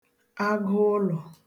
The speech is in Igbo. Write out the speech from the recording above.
agụụlọ̀